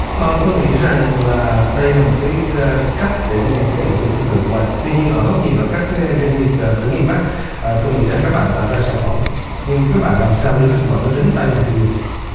tôi nghĩ rằng là đây là một cái cách để các nhà đầu tư thương lượng mà tuy nhiên ở góc nhìn ở các doanh nghiệp khởi nghiệp á tôi nghĩ rằng các bạn tạo ra sản phẩm nhưng các bạn làm sao đưa các sản phẩm đó đến tay người tiêu dùng